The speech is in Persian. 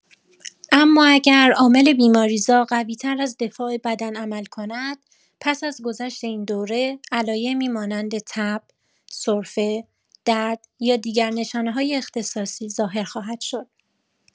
اما اگر عامل بیماری‌زا قوی‌تر از دفاع بدن عمل کند، پس از گذشت این دوره، علایمی مانند تب، سرفه، درد یا دیگر نشانه‌های اختصاصی ظاهر خواهد شد.